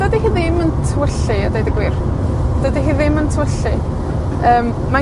dydi hi ddim yn tywyllu a deud a deud y gwir. Dydi hi ddim yn tywyllu. Yym, mae